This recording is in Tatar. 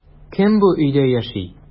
Кем бу өйдә яши?